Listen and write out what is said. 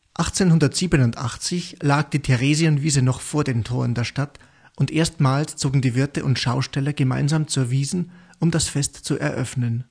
1887 lag die Theresienwiese noch vor den Toren der Stadt und erstmals zogen die Wirte und Schausteller gemeinsam zur Wiesn, um das Fest zu eröffnen